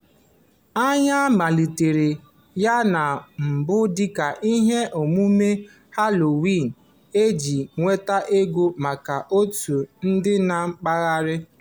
Anyị malitere ya na mbụ dịka ihe omume Halowiin iji nweta ego maka òtù dị na mpaghara.